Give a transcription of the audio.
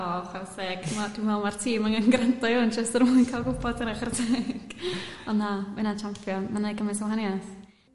oo chwara teg dwi me'l... dwi me'l ma'r tim angen grando i hwn jyst er mwyn ca'l gwbod hyna chwara teg ond na ma' hyna'n champion ma'n neud gymaint o wahaniath.